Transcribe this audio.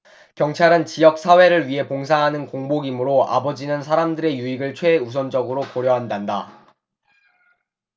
경찰은 지역 사회를 위해 봉사하는 공복이므로 아버지는 사람들의 유익을 최우선적으로 고려한단다